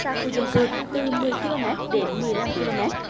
xa khu dân cư từ mười ki lô mét đến mười lăm ki lô mét